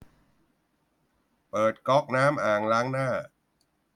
เปิดก็อกน้ำอ่างล้างหน้า